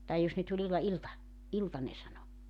tai jos ne tuli illalla ilta ilta ne sanoi